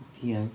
Dianc.